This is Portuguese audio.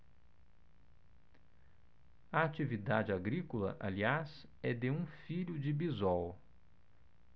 a atividade agrícola aliás é de um filho de bisol